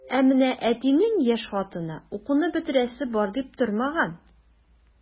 Ә менә әтинең яшь хатыны укуны бетерәсе бар дип тормаган.